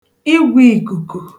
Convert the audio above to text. igwēìkùkù